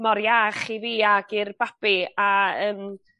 Mor iach i fi ag i'r babi a yym